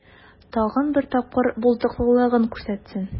Тагын бер тапкыр булдыклылыгын күрсәтсен.